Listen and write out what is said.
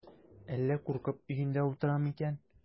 Әллә куркып өендә утырамы икән?